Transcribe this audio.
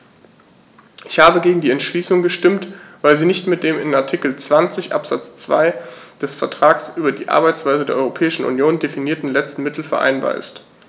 Ich habe gegen die Entschließung gestimmt, weil sie nicht mit dem in Artikel 20 Absatz 2 des Vertrags über die Arbeitsweise der Europäischen Union definierten letzten Mittel vereinbar ist.